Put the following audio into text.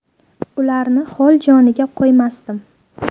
ularni hol joniga qo'ymasdim